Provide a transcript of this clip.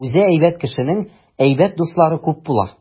Үзе әйбәт кешенең әйбәт дуслары күп була.